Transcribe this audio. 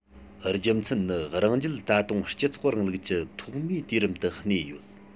རྒྱུ མཚན ནི རང རྒྱལ ད དུང སྤྱི ཚོགས རིང ལུགས ཀྱི ཐོག མའི དུས རིམ དུ གནས ཡོད